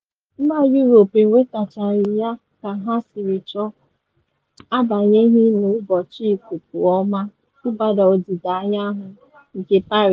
Mba Europe enwetachaghị ya ka ha siri chọọ, agbanyeghị n’ụbọchị ikuku ọma mgbada ọdịda anyanwu nke Paris.